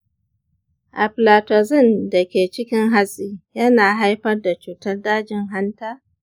aflatoxin da ke cikin hatsi yana haifar da cutar dajin hanta?